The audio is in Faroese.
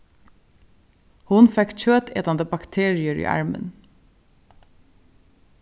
hon fekk kjøtetandi bakteriur í armin